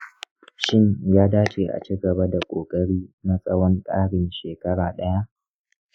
shin ya dace a ci gaba da ƙoƙari na tsawon ƙarin shekara ɗaya?